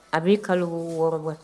A b'ɛ kalo 6 bɔ.